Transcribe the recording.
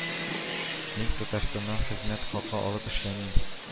Мин Татарстаннан хезмәт хакы алып эшләмим